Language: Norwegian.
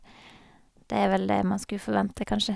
Det er vel det man skulle forvente, kanskje.